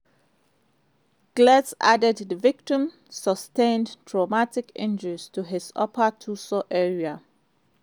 Giles added the victim sustained traumatic injuries to his upper torso area.